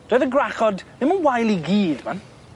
Doedd y gwrachod ddim yn wael i gyd, myn.